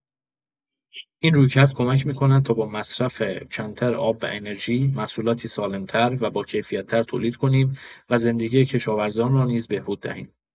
این رویکرد کمک می‌کند تا با مصرف کمتر آب و انرژی، محصولاتی سالم‌تر و باکیفیت‌تر تولید کنیم و زندگی کشاورزان را نیز بهبود دهیم.